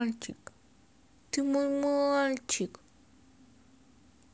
ты мой мальчик